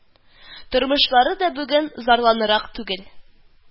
Тормышлары да бүген зарланырлык түгел